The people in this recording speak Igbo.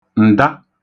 ǹda